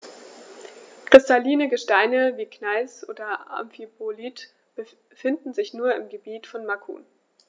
Kristalline Gesteine wie Gneis oder Amphibolit finden sich nur im Gebiet von Macun.